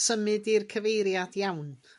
symud i'r cyfeiriad iawn